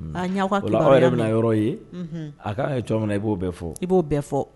A n y'aw ka kibaruya mɛn, o la aw yɛrɛ yɔrɔ ye, unhun,a kan ka kɛ cogoya min na i b'o bɛɛ fɔ i b'o bɛɛ fɔ